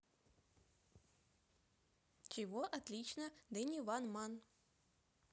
чего отлично дени ван ман